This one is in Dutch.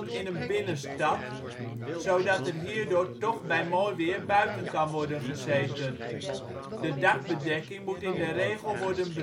in een binnenstad, zodat er hierdoor toch bij mooi weer buiten kan worden gezeten. De dakbedekking moet in de regel worden